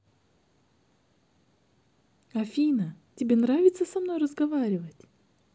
афина тебе нравится со мной разговаривать